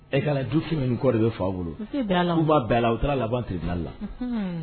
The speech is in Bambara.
_ hectar la du 100 ni kɔ de bi fa bolo. Ku ma bɛn a la u taara laban tribunal la